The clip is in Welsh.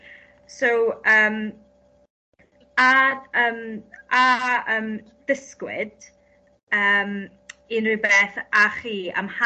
So yym a yym a a yym dysgwyd yym unrhyw beth a chi am hanes yr